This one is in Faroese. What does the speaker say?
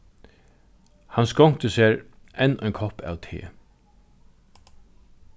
hann skonkti sær enn ein kopp av te